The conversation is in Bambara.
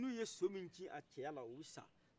n'o ye so min kin a cɛyara o bɛ sa